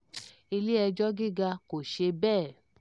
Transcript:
Ilé-ẹjọ́ Gíga kò ṣe bẹ́ẹ̀.